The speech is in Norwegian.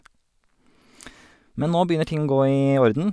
Men nå begynner ting å gå i orden.